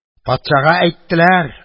Патша әйттеләр